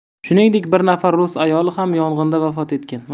shuningdek bir nafar rus ayoli ham yong'inda vafot etgan